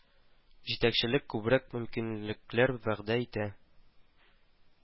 Җитәкчелек күбрәк мөмкинлекләр вәгъдә итә